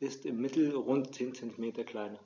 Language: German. ist im Mittel rund 10 cm kleiner.